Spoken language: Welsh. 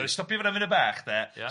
Sori stopio fan'na funu fach de... Ia.